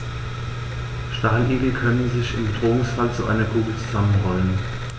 Stacheligel können sich im Bedrohungsfall zu einer Kugel zusammenrollen.